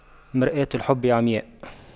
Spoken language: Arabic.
مرآة الحب عمياء